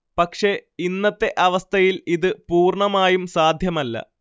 പക്ഷെ ഇന്നത്തെ അവസ്ഥയിൽ ഇത് പൂർണമായും സാധ്യമല്ല